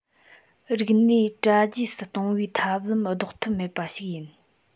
རིག གནས གྲ རྒྱས སུ གཏོང བའི ཐབས ལམ ལྡོག ཐབས མེད པ ཞིག ཡིན